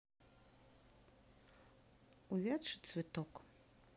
увядший цветок